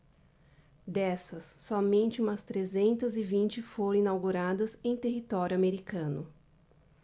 dessas somente umas trezentas e vinte foram inauguradas em território americano